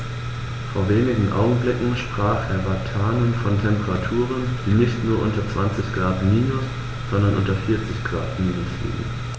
Vor wenigen Augenblicken sprach Herr Vatanen von Temperaturen, die nicht nur unter 20 Grad minus, sondern unter 40 Grad minus liegen.